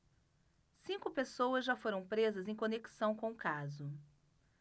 cinco pessoas já foram presas em conexão com o caso